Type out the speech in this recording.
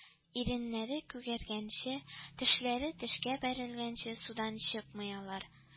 Иреннәре күгәргәнче, тешләре тешкә бәрелгәнче судан чыкмый алар